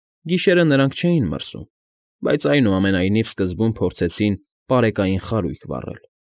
Գիշերները նրանք չէին մրսում, բայց, այնուամենայնիվ, սկզբում փորձեցին պարեկային խարույկ վառել։